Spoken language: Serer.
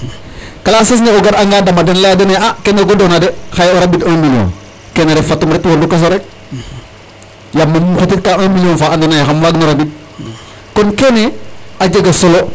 Classe es ne o garanga dam a den laya dene a kene godoona de xan o rabid 1 million kene ref fat um ret wondu kaso rek yaam mam xotitka 1 million fa andoona yee xam waagin o rabid kon kene a jega solo.